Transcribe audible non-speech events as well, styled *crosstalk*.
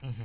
*hesitation* *hesitation*